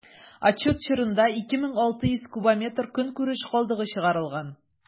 Отчет чорында 2600 кубометр көнкүреш калдыгы чыгарылган.